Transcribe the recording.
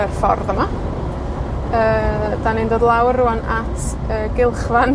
yr ffordd yma. Yy, 'dan ni'n dod lawr rŵan at y gylchfan